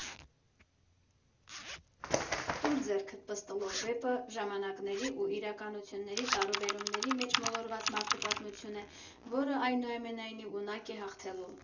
«Տուր ձեռքդ, պստլո» վեպը ժամանակների ու իրականությունների տարուբերումների մեջ մոլորված մարդու պատմություն է, որը, այնուամենայնիվ, ունակ է հաղթելու։